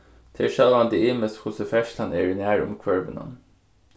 tað er sjálvandi ymiskt hvussu ferðslan er í nærumhvørvinum